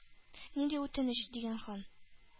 — нинди үтенеч?— дигән хан.